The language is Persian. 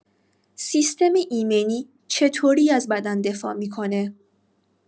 سیستم ایمنی چطوری از بدن دفاع می‌کنه؟